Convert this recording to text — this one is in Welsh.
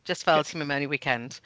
Jyst fel ti'n mynd i mewn i'r weekend.